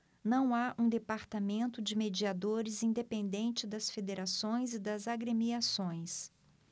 não há um departamento de mediadores independente das federações e das agremiações